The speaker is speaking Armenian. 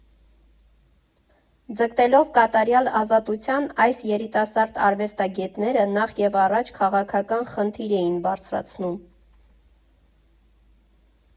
Ձգտելով կատարյալ ազատության, այս երիտասարդ արվեստագետները նախևառաջ քաղաքական խնդիր էին բարձրացնում.